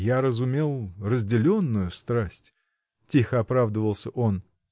— Я разумел разделенную страсть, — тихо оправдывался он.